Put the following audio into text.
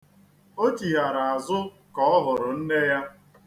O chighara azụ ka ọ hụrụ nne ya.